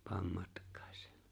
pane matkaasi